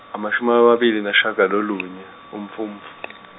amashumi amabili nesishagalolunye uMfumf-.